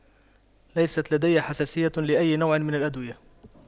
ليست لدي حساسية لأي نوع من الأدوية